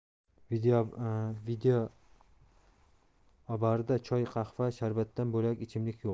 videobarda choy qahva sharbatdan bo'lak ichimlik yo'q